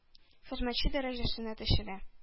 Хезмәтче дәрәҗәсенә төшерә.